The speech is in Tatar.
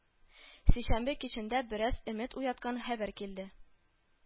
Сишәмбе кичендә бераз өмет уяткан хәбәр килде